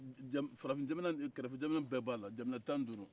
farafin jamana kɛrɛfɛ jamana in bɛ b'a la jamana tan ni duuru